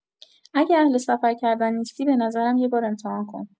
اگه اهل سفر کردن نیستی، به نظرم یه بار امتحان کن.